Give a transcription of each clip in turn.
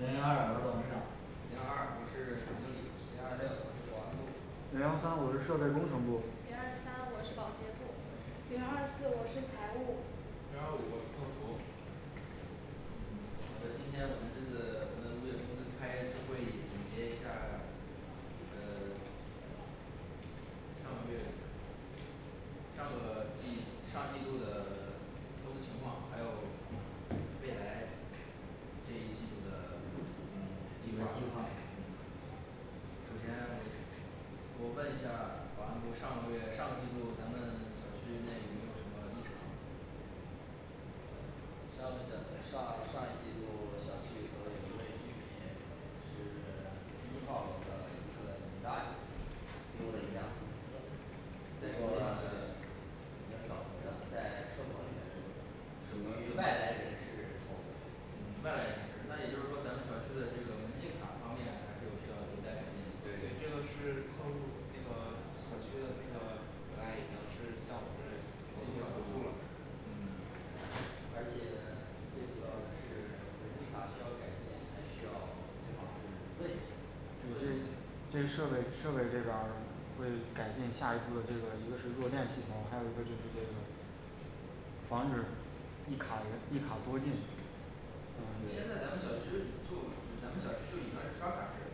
零零二我是董事长零二二我是总经理零二六我是保安部零幺三我是设备工程部零二三我是保洁部零二四我是财务零二五我是客服嗯好的今天我们这次我们的物业公司开一次会议，总结一下儿呃 上个月上个季上季度的 公司情况，还有未来这一季度的嗯一计个划计划嗯首先我我问一下儿保安部上个月上个季度咱们小区内有没有什么异常上个小上上一季度小区里头有一位居民是 一号儿楼的一个李大爷，丢了一辆自行车在什么不过 地方丢的已经找回了在车棚里面丢的属于外来人士偷的嗯外来人士，那也就是说咱们小区的这个门禁卡方面还是有需要有待改进对这对个吧是客户儿那个小区的那个老大爷已经是向我这儿投投诉了是诉了吗嗯而且最主要的是门禁卡需要改进还需要最好是问一下儿对，这些这设备设备这个呃会改进下一步的这个一个是漏电系统还有一个就是这个防止一卡人一一卡多进现在咱嗯对们小对区就咱们小区就已经是刷卡制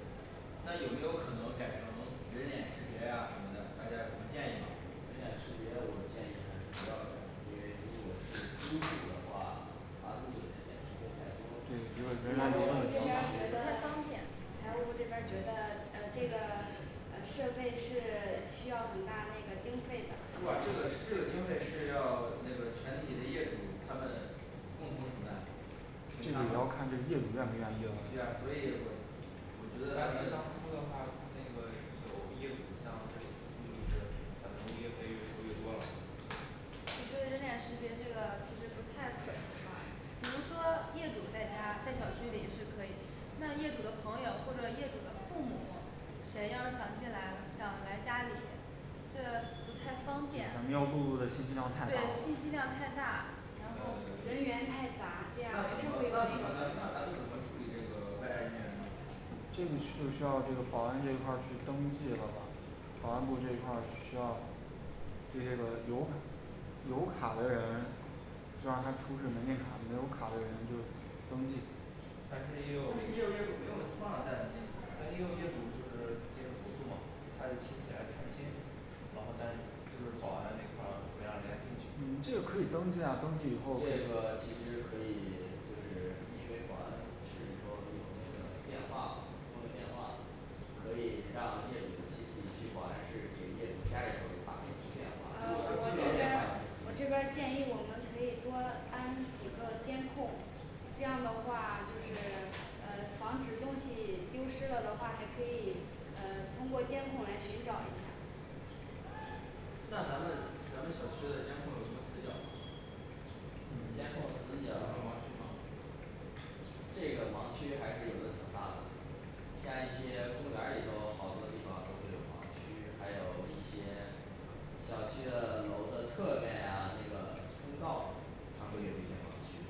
那有没有可能改成人脸识别呀什么的大家有什么建议吗人脸识别我建议还是不要改因为如果是租户的话怕录的人脸识别太财务对部这多边，这个儿不人觉脸得方这便个财务部这边儿觉得呃这个呃设备是 需要很大那个经费的不啊这个是这个经费是要那个全体的业主他们共同承担这个也要这个看业主愿不愿意对啊所了以我我觉得咱但是们当初的话，他那个有业主向这里投诉就是咱们的物业费越收越多了我觉得人脸识别这个其实不太可行吧，比如说业主在家在小区里是可以那业主的朋友或者业主的父母谁要是想进来想来家里这不太方对便咱们要录入的信息量太大对信息了量太大呃 那怎么然后人员太杂这样还是会有那那怎么那咱们怎个问么处理题这个外来人员呢这个需不需要这个保安这一块儿去登记了吧？保安部这一块儿需要对这个有卡 有卡的人就让他出示门禁卡，没有卡的人就登记但但是是也也有有业主没有忘了带门禁但是卡呀也有业主就是进行投诉嘛他是亲戚来探亲然后咱就是保安那块儿没让人家进嗯这去个可以登记呀登记以这后个其实可以就是因为保安室里头有那个电话嘛公用电话可以让业主的亲戚去保安室给业主家里头打一通电如果他不知嗯话我这确边认儿道我他亲这戚电话呢边儿建议我们可以多安几个监控这样的话就是呃防止东西丢失了的话，还可以呃通过监控来寻找一下儿那咱们咱们小区的监控有什么死角儿吗监嗯控死角有儿盲区吗这个盲区还是有的挺大的。 像一些公园儿里头好多地方都会有盲区，还有一些小区的楼的侧面呀那个通道，它会有一些盲区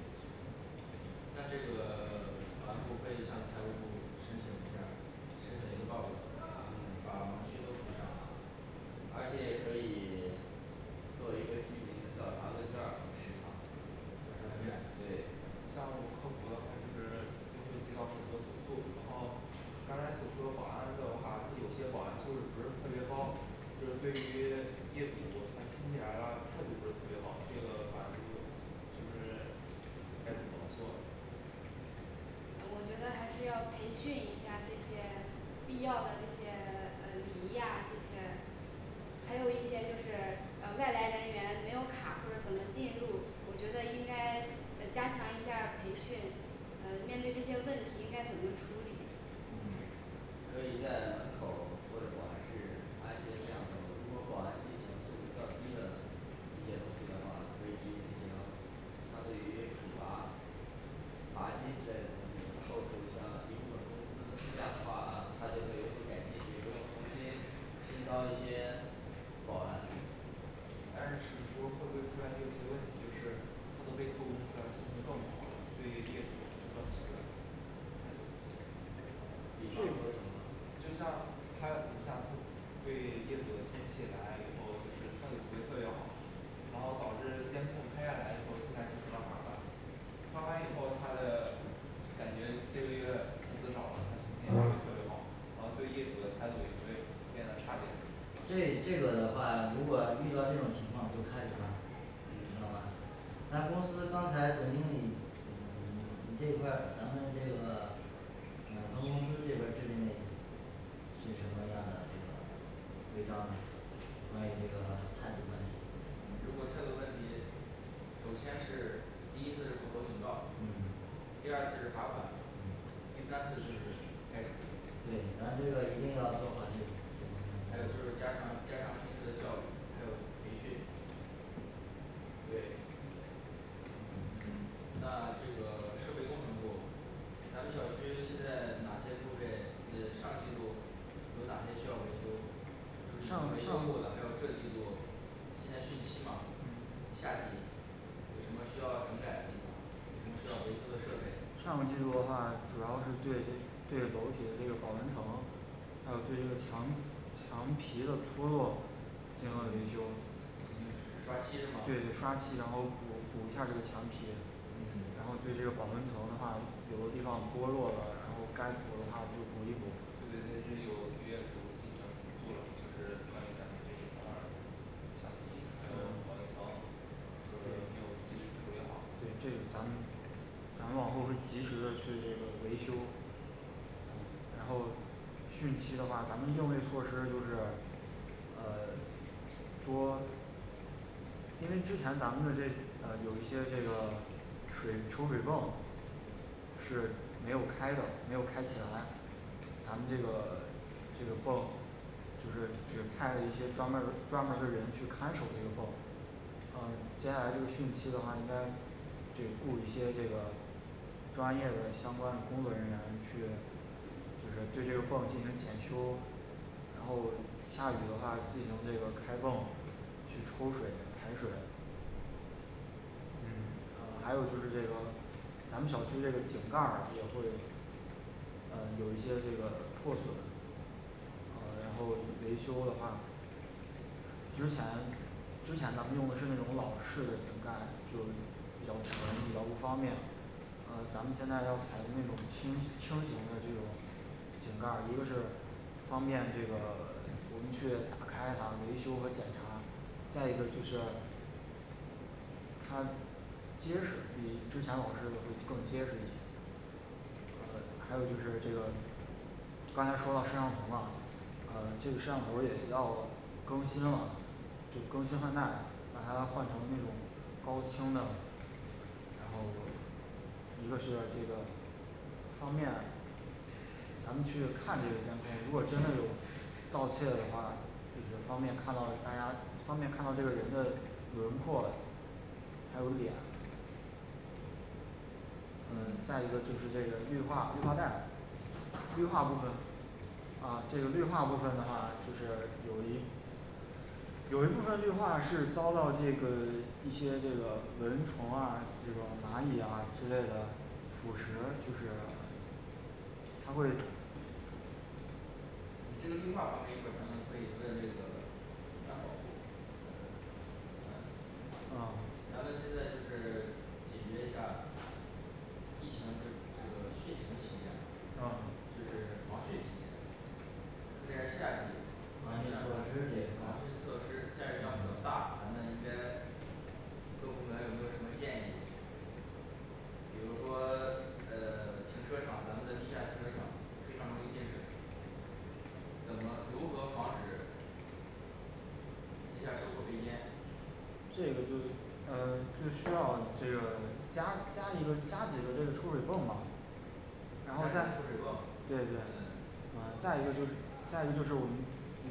那这个 保安部儿可以向财务部儿申请一下儿申请一个报表儿嗯把盲区都补上而且也可以做一个居民的调查问卷儿嘛时常调查问卷对你像我们客服的话就是就会接到刚才所说的保安的话，他有些保安素质不是特别高就是对于业主他亲戚来了，态度不是特别好，这个保安部是不是该怎么做呃我觉得还是要培训一下这些必要的这些呃礼仪呀这些还有一些就是呃外来人员没有卡或者怎么进入，我觉得应该呃加强一下儿培训，呃面对这些问题应该怎么处理嗯可以在门口儿或者保安室安一些摄像头儿如果保安进行素质较低的一些东西的话可以直接进行相对于处罚罚金之类的东西，扣除相应一部分工资，这样的话他就会有所改进，也不用重新新招一些保安但是是说会不会出现就有些问题就是他们被扣工资了心情更不好了对业主更是态度比方说什么呢你就像他你想他对业主的亲戚来以后就是态度不会特别好然后导致监控拍下来以后对他进行了罚款罚款以后他的感觉这个月工资少了，他心情也不会特别好然后对业主的态度也会变得差点这这个的话如果遇到这种情况就开除他你知道嗯吧咱公司刚才总经理你 你这一块儿咱们这个嗯分公司这边儿制定嘞是什么样的这个违章呢。关于这个态度问题这如果态方度问面儿题，首先是第一次是口头儿警告，嗯第二次是罚款，第三次就是开除对，咱这个一定要做好这这方还面有儿就工作是加强加强平时的教育，还有培训对嗯嗯那这个设备工程部咱们小区现在哪些部分呃上季度有哪些需要维修就以上前维修上过的，还有这季度现在汛期嘛夏季有什么需要整改的地方儿什么需要维修的设备上个季度的话主要是对这对楼体的这个保温层还有对这个墙墙皮的脱落进行了维修进是行刷刷漆 是吗对对刷漆然后补补一下儿这个墙皮然后嗯对这保温层的话有的地方脱落了然后该补的话就补一对对补对这个有有业主向咱们投诉了就是关于咱们这一块儿墙皮还有保温层就是没有及时处理好对这个咱们咱往后会及时的去这个维修然后汛期的话咱们用这措施就是呃 多因为之前咱们的这呃有一些这个水抽水泵是没有开的，没有开起来咱们这个这个泵就是只派了一些专门儿专门儿的人去看守这个泵呃接下来这个汛期的话应该得雇一些这个专业的相关的工作人员去就是对这个泵进行检修，然后下雨的话进行这个开泵去抽水排水嗯呃还有就是这个咱们小区这个井盖儿也会呃有一些这个破损呃然后维修的话之前之前咱们用的是那种老式的井盖，就是比较沉比较不方便呃咱们现在要采用那种轻轻型的这种井盖儿，一个是方便这个呃我们去打开它维修和检查，再一个就是它结实比之前老式的会更结实一些呃还有就是这个刚才说到摄像头儿嘛呃这个摄像头儿也要更新了，就更新换代把它换成那种高清的然后一个是这个方便，咱们去看这个监控如果真的有盗窃的话，就是方便看到大家方便看到这个人的轮廓还有脸嗯再一个就是这个绿化绿化带，绿化部分啊这个绿化部分的话就是有一有一部分绿化是遭到这个一些这个蚊虫啊这个蚂蚁呀之类的腐蚀就是它会你这个绿化方面一会儿咱们可以问这个安保部儿啊咱们现在就是解决一下儿疫情就这个汛情期间嘛啊就是防汛期间现在是夏季防汛措施防这一块汛儿措施下雨量比较大，咱们应该各部门有没有什么建议比如说呃 停车场，咱们的地下停车场非常容易进水怎么如何防止地下车库被淹这个就呃这个需要这个加加一个加几个这个抽水泵嘛加几个抽水泵对对对呃再一个就是再一个就是我们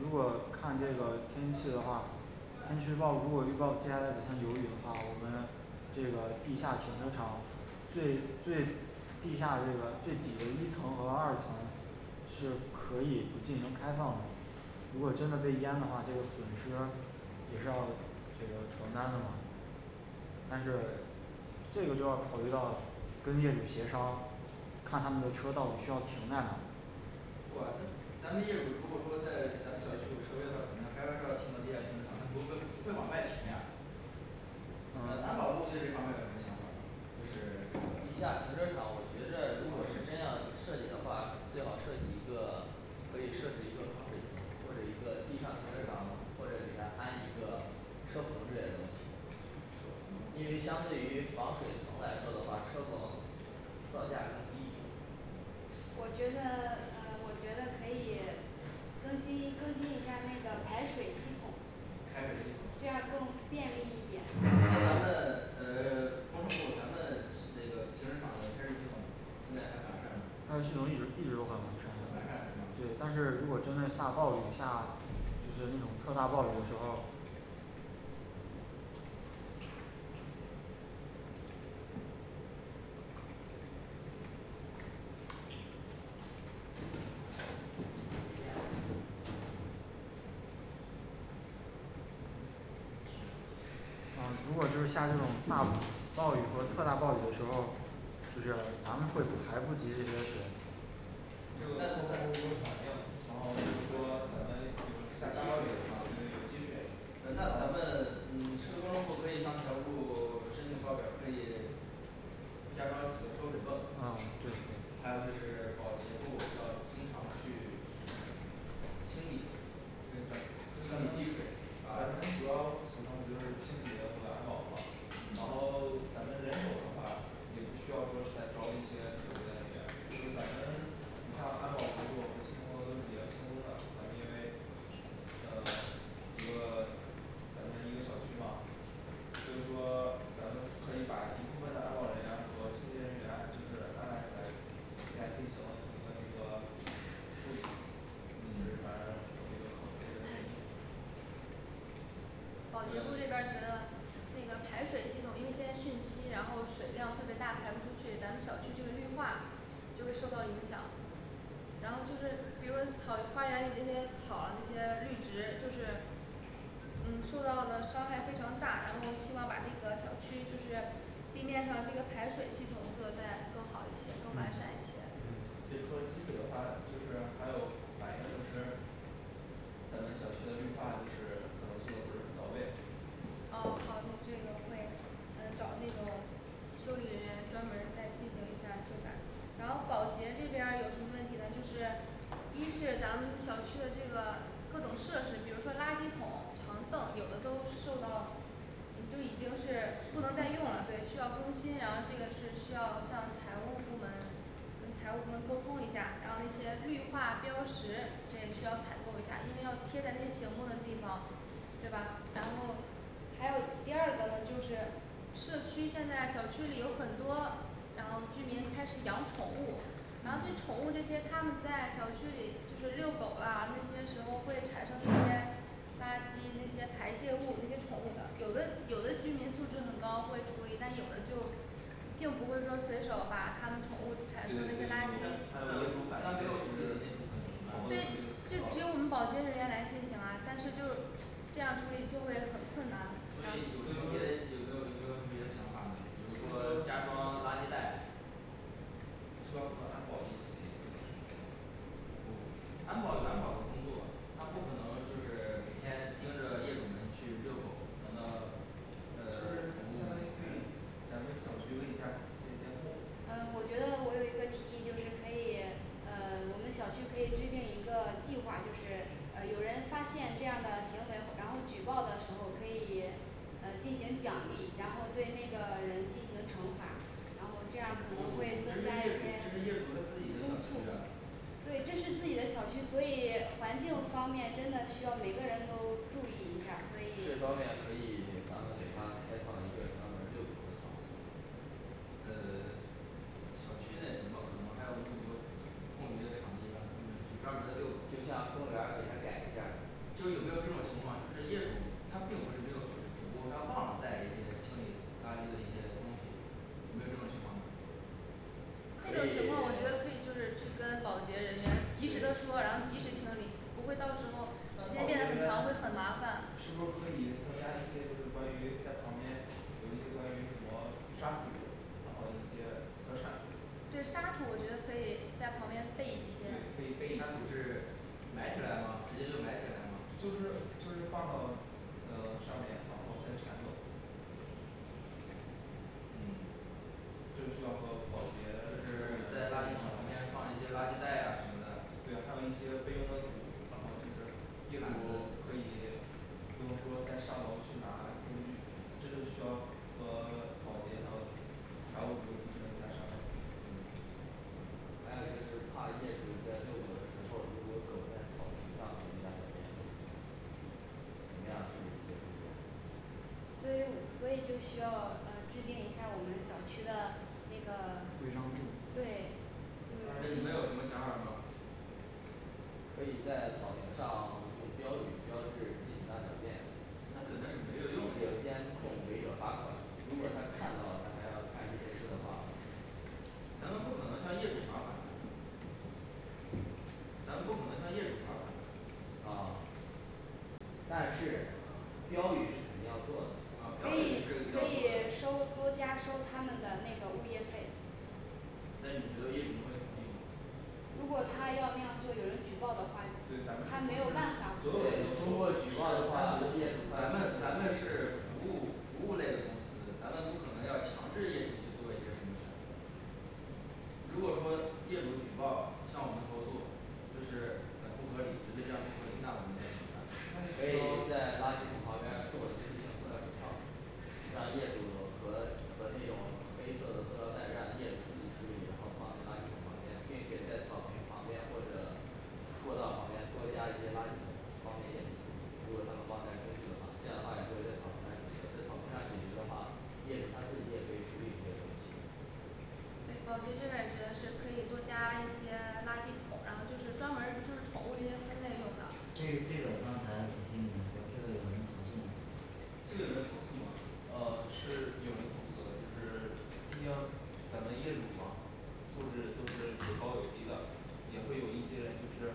如果看这个天气的话天气预报如果预报接下来几天有雨的话那我们这个地下停车场最最地下这个最底层的一层和二层是可以不进行开放的。如果真的被淹的话，这个损失也是要这个承担的嘛但是这个要考虑到跟业主协商看他们的车到底需要停在哪不啊那 咱们业主如果说在咱们小区有车位的话，肯定还是要停到地下停车场，他们不会不会往外停的呀那么安保部儿对这方面儿有什么想法儿就是地这下个 停车场我觉得如果是真要设计的话，最好设计一个可以设置一个防水层或者一个地上停车场，或者给它安一个车棚这些东西因为车车棚相啊对于防水层来说的话车棚造价更低我觉得呃我觉得可以更新一更新一下儿那个排水系统排水系统这样更便利一那点咱们嗯 工程部儿咱们那个停车场的排水系统现在还完善吗排水系统一直一直都很很完完善对善是吗但是如果真的下暴雨下就是那种特大暴雨的时候儿嗯如果就是下这种大暴雨和特大暴雨的时候儿就是咱们会排不及这些水这个那客户儿有那反映然后就是说咱们就有积是下大暴雨的时候儿对有水是吗积水那咱们嗯设备工程部可以向财务部 申请报表儿，可以 加装几个抽水泵呃对还有就是保洁部要经常去清理清理积水咱们主要就是清洁和安保嘛然嗯后咱们人手的话也不需要说是再招一些特别的人员就是咱们你像安保部后勤工作都是比较轻松了咱们因为呃 一个咱们一个小区嘛所以说咱们可以把一部分的安保人员和清洁人员就是安排出来，来进行一个那个处理。这是咱嗯我这个客服这个建议保洁部儿这边呃儿觉得 那个排水系统优先汛期，然后水量特别大排不出去咱们小区的这个绿化就会受到影响然后就是比如说草花园里那些草啊那些绿植就是嗯受到的伤害非常大，然后希望把这个小区就是地面上这个排水系统做的再更好一些，更完善一些嗯嗯这除了积水的话就是还有反映的就是咱们小区的绿化就是可能做的不是很到位哦好就这种对嗯找那种修理人员专门儿再进行一下儿修改然后保洁这边儿有什么问题呢就是公示咱们小区的这个各种设施，比如说垃圾桶长凳有的都受到你就已经是不能再用了，对需要更新，然后这个是需要向财务部门跟财务部门沟通一下儿，然后一些绿化标识，这也需要采购一儿下，因为要贴在那些醒目的地方，对吧？然后还有第二个呢就是社区现在小区里有很多，然后居民开始养宠物，然后对宠物这些，他们在小区里就是遛狗啊那些时候会产生一些垃圾，一些排泄物，一些宠物的，有的有的居民素质很高会处理，但有的就并不会说随手把他们宠物对对排出的那些对但垃没有圾，但没有处理那部分怎么办呢所以就只有我们保洁人员来进行啊，但是就这样处理就会很困难了然所以有什么别 的有没有有没有什么别的想法儿呢，比如说加装垃圾袋需要和安保一起就是什么不安保有安保的工作他不可能就是每天盯着业主们去遛狗等到就呃是宠相物当于们可以排咱们小区可以加一些监控呃我觉得我有一个提议就是可以呃 我们小区可以制定一个计划就是呃有人发现这样的行为然后举报的时候可以呃进行奖励，然后对那个人进行惩罚，然后这不样可不能不这是会业主这增加一些是业主他自己的小区呀对，这是自己的小区，所以环境方面真的需要每个人都注意一下儿这方面所以可以咱们给他开放一个专门儿遛狗的场所呃 小区内怎么可能还有那么多空余的场地，让他们去专门儿的遛就像公狗园儿给他改一下儿就有没有这种情况？就是业主他并不是没有素质，只不过他忘了带一些清理垃圾的一些东西，有没有这种情况呢这可种情况我觉得可以以 就是去跟保洁人员及时的说，对然后及时清理不会到时候那保洁人员是不是时间变得很长会很麻烦可以增加一些就是关于在旁边有一些关于什么沙土然后一些小铲子对沙土我觉得可以在旁边备一些对备备一些沙土是埋起来吗直接就埋起来就是吗就是放到呃上面然后再铲走嗯这需要和保就洁 是在垃圾桶旁边放一些垃圾袋呀什么的对呀还有一些备用的土然后就是业主们可以不用说再上楼去拿工具什么这就需要呃保洁还有财务部进行一下儿商量嗯还有就是怕业主在遛狗的时候儿，如果狗在草坪随地大小便，会怎么样怎么样处理那些粪便呢所以所以就需要呃制定一下儿我们小区的那个规章制度对你没有什么想法儿吗可以在草坪上用标语标志禁止大小便那肯定是没有用有的监呀控违者罚款，如果他看到了他还要干这些事的话咱们不可能向业主罚款的咱们不可能向业主罚款的啊但是标语是肯定要做的噢可标语以是可肯定以要做的收多加收他们的那个物业费那你觉得业主会同意吗如果他要那样做有人举报的话对咱，他没们有又不是办法所有人对通过都举报收的话业主他咱们咱这们就处于是服务服务类的公司，咱们不可能要强制业主去做一些什么选择如果说业主举报向我们投诉就是咱不合理觉得这样不合理那我们该怎么办可以在垃圾桶旁边儿做一次性塑料手套儿让业主和和那种黑色的塑料袋让业主自己处理，然后放在垃圾桶旁边，并且在草坪旁边或者过道旁边多加一些垃圾桶方便业主处理，如果他们忘带工具的话，这样的话也不会在草坪上解决在草坪上解决的话业主他自己也可以处理这些东西。对保洁这边儿也觉得是可以多加一些垃圾桶，然后就是专门儿就是宠物那些分类用这的这个刚才我听你们说这个有人投诉吗这个有人投诉吗呃是有人投诉的就是 毕竟咱们业主嘛素质都是有高有低的，也会有一些人就是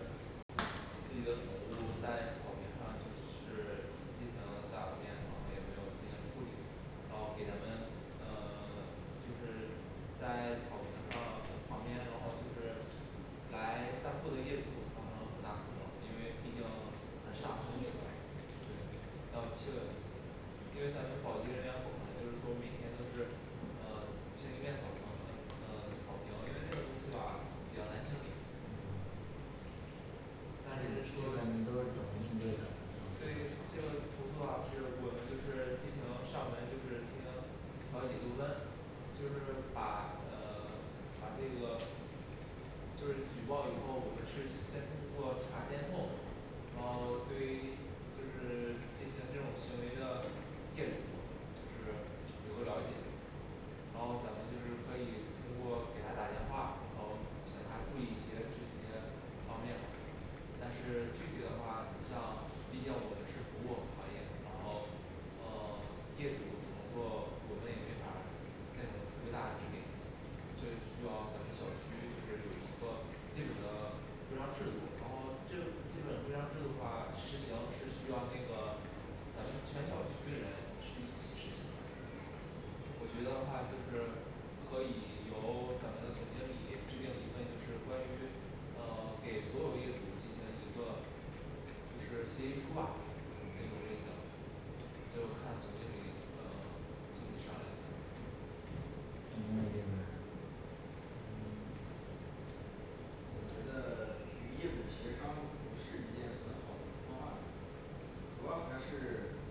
自己的宠物在草坪上就是进行大便然后也没有进行处理，然后给咱们呃 就是在草坪上呃旁边，然后就是来散步的业主造成很大困扰因为毕竟有气味对儿然后气味因为咱们保洁人员不可能就是说每天都是呃清一遍草坪呃草坪，因为那个东西吧比较难清理但这个是说你都是怎么应对的他投诉的对这个时候儿工作啊是我们就是进行上门就是进行调解纠纷就是把呃 把这个就是举报以后，我们是先通过查监控然后对于就是进行这种行为的业主就是有个了解然后咱们就是可以通过给他打电话，然后请他注意一些这些方面嘛，但是具体的话像毕竟我们是服务行业，然后呃 业主怎么做，我们也没法儿那种特别大的指点这个需要咱们小区也是有一个基本的规章制度，然后这基本规章制度的话，实行是需要那个咱们全小区人去一起实行的我觉得话就是可以由咱们的总经理制定一份就是关于呃 给所有业主进行一个就是协议书吧那种嗯类型最后看总经理呃具体商量一下儿总经理这边儿嗯 我觉得与业主协商不是一件很好的方案主要还是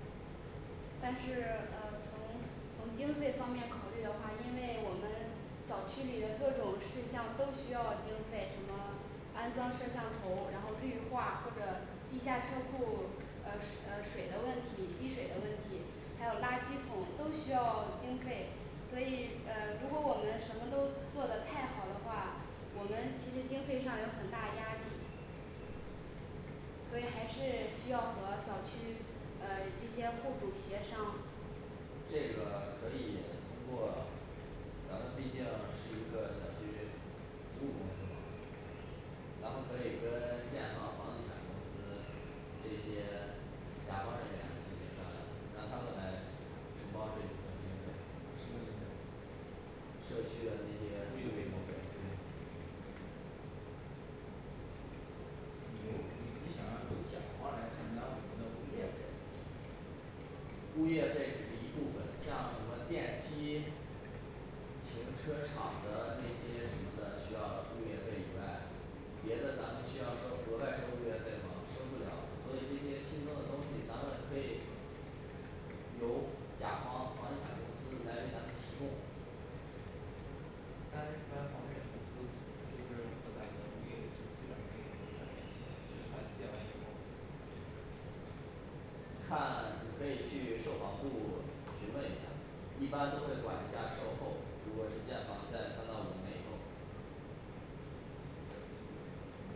但是呃从从经费方面考虑的话因为我们小区里的各种事项都需要经费什么安装摄像头，然后绿化或者地下车库呃水 呃水的问题滴水的问题，还有垃圾桶都需要经费，所以呃如果我们什么都做的太好的话我们其实经费上有很大压力所以还是需要和小区呃这些户主协商这个可以通过咱们毕竟是一个小区服务公司嘛咱们可以跟建房房地产公司这些甲方人员进行商量，让他们来承包这一部分经费什么经费社区的那些物业费费用对嘛对由你你想要由甲方来承担我们的物业费物业费只是一部分，像什么电梯停车场的那些什么的，需要物业费以外，别的咱们需要收额外收物业费吗？收不了，所以这些新增的东西咱们可以由甲方房地产公司来为咱们提供但是一般房地产公司他就是和咱们物业，就是基本上没有什么存在的联系了因为他建完以后你看你可以去售房部询问一下儿一般都会管一下儿售后，如果是建房在三到五年以后把